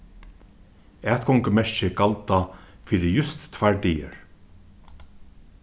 atgongumerki galda fyri júst tveir dagar